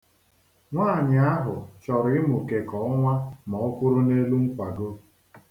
Nwaanyị ahụ chọrọ ịmụke ka ọnwa ma ọ kwụrụ n'elu nkwago.